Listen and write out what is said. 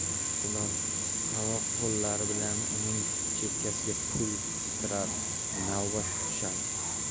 ular qadoq qo'llari bilan uning chekkasiga pul qistirar navbat kutishardi